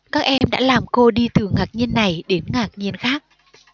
các em đã làm cô đi từ ngạc nhiên này đến ngạc nhiên khác